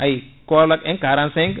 ayi Kaolack en 45